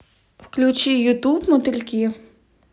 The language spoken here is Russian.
включи ютуб мотыльки